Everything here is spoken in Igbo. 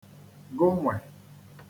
gụnwè